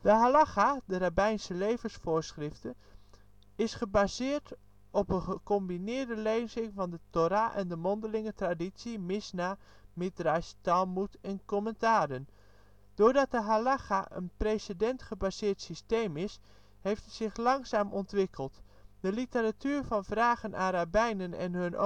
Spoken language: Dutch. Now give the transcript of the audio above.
Halacha, de rabbijnse levensvoorschriften, is gebaseerd op een gecombineerde lezing van de Thora en de mondelinge traditie - Misjna, Midrasj, Talmoed en commentaren. Doordat de Halacha een precedent-gebaseerd systeem is, heeft het zich langzaam ontwikkeld. De literatuur van vragen aan rabbijnen en hun